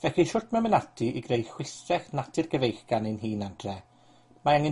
Felly, shwt ma' mynd ati i greu chwistrell natur gyfeillgar ein hun adre? Mae angen